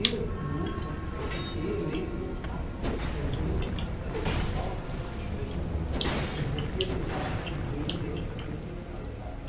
müsse. CDU/CSU und FDP lehnten es ab, dem Bundeskanzler das Vertrauen auszusprechen und votierten daher gegen den verbundenen Antrag